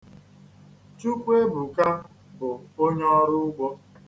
Chukwuebuka bụ onye ọrụ ugbo.